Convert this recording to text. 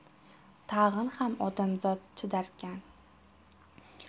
tag'in ham odamzod chidarkan